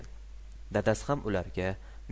dadasi ham ularga